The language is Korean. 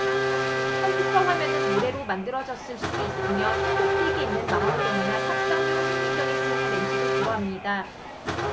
컴퓨터 화면은 모래로 만들어졌을 수 있으며 산꼭대기에 있는 망원경이나 탁상용 현미경에 쓰이는 렌즈도 그러합니다